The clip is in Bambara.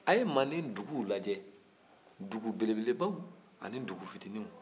a ye mande duguw lajɛ dugu belebelebaw ani dugu fitininw